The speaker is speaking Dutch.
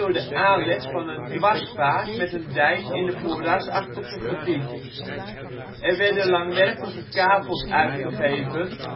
de aanleg van een dwarsvaart met een dijk in het moerasachtige gebied. Er werden langwerperige kavels uitgegeven